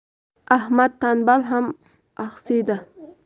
ahmad tanbal ham axsida